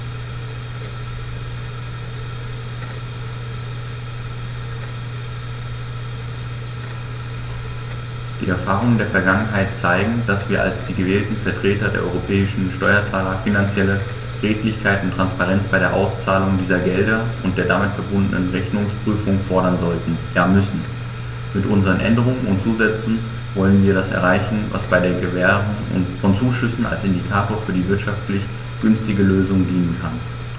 Die Erfahrungen der Vergangenheit zeigen, dass wir als die gewählten Vertreter der europäischen Steuerzahler finanzielle Redlichkeit und Transparenz bei der Auszahlung dieser Gelder und der damit verbundenen Rechnungsprüfung fordern sollten, ja müssen. Mit unseren Änderungen und Zusätzen wollen wir das erreichen, was bei der Gewährung von Zuschüssen als Indikator für die wirtschaftlich günstigste Lösung dienen kann.